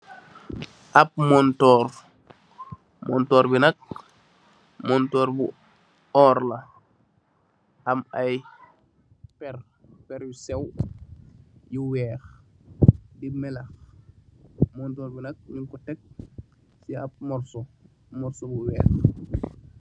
Ap monturr monturr bi nak monturr bu orr la am ay perr perr yu sew yu weex yu melax monturr bi nak nyu ko tek si ap morso morso bu weex.